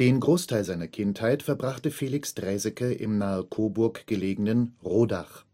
Den Großteil seiner Kindheit verbrachte Felix Draeseke im nahe Coburg gelegenen Rodach